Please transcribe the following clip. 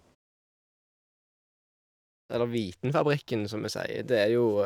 Eller Vitenfabrikken, som vi sier, det er jo...